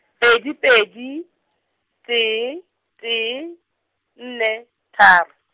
pedi pedi, tee, tee, nne, tharo.